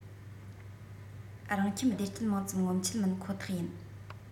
རང ཁྱིམ བདེ སྐྱིད མང ཙམ ངོམ ཆེད མིན ཁོ ཐག ཡིན